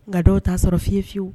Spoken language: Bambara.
Nka dɔw t'a sɔrɔ fiyeyewu